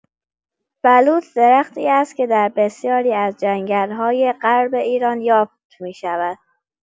بلوط درختی است که در بسیاری از جنگل‌های غرب ایران یافت می‌شود.